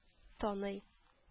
Таный